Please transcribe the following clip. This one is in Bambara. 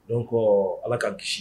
Don ko ala ka gosi